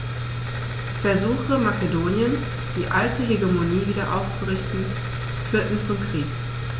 Versuche Makedoniens, die alte Hegemonie wieder aufzurichten, führten zum Krieg.